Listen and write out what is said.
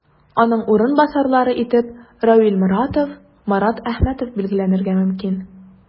Аның урынбасарлары итеп Равил Моратов, Марат Әхмәтов билгеләнергә мөмкин.